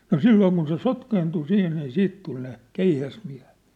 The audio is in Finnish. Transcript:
no silloin kun se sotkeentui siihen niin sitten tuli ne keihäsmiehet